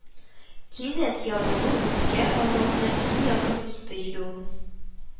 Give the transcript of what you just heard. Кинәт ябыгу үпкә авыруының иң якын дусты инде ул